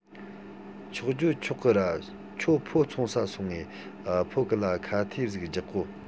ཆོག རྒྱུའོ ཆོག གི ར ཁྱོད ཕིའོ བཙོང ས སོང ངས ཕིའོ གི ལ ཁ ཐེའུ ཟིག རྒྱག དགོ